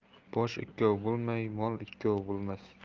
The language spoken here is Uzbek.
bosh ikkov bo'lmay mol ikkov bo'lmas